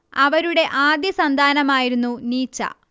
അവരുടെ ആദ്യസന്താനമായിരുന്നു നീച്ച